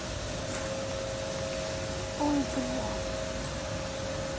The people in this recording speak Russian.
ой блядь